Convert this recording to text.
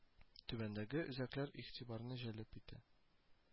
Түбәндәге өзекләр игътибарны җәлеп итә: